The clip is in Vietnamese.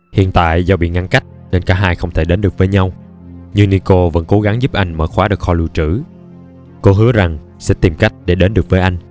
hiện tại do bị ngăn cách nên cả hai không thể đến được với nhau nhưng nicole vẫn cố gắng giúp anh mở khóa được kho lưu trữ cô hứa rằng sẽ tìm cách để đến được với anh